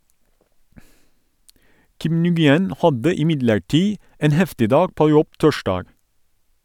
Kim Nguyen hadde imidlertid en heftig dag på jobb torsdag.